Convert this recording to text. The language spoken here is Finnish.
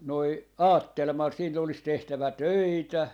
noin ajattelin minä sille olisi tehtävä töitä